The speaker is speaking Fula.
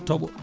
tooɓo